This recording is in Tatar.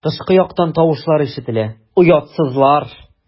Тышкы яктан тавышлар ишетелә: "Оятсызлар!"